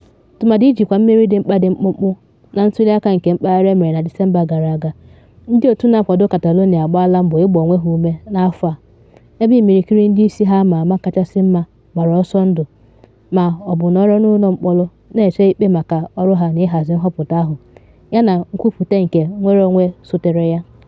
Tụmadị ijikwa mmeri dị mkpa dị mkpụmkpụ na ntuli aka nke mpaghara e mere na Disemba gara aga, ndị otu na-akwado Catalonia agbaala mbọ ịgba onwe ha ume n’afọ a ebe imirikiri ndị isi ha ama ama kachasị mma gbara ọsọ ndụ ma ọ bụ nọrọ n’ụlọ mkpọrọ na-eche ikpe maka ọrụ ha na ịhazi nhọpụta ahụ yana nkwupute nke nnwere onwe sotere ya.